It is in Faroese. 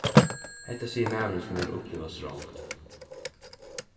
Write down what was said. hetta sigur maðurin sum hevur upplivað strongd